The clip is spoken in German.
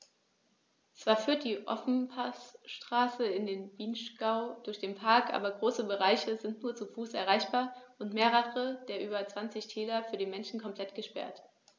Zwar führt die Ofenpassstraße in den Vinschgau durch den Park, aber große Bereiche sind nur zu Fuß erreichbar und mehrere der über 20 Täler für den Menschen komplett gesperrt.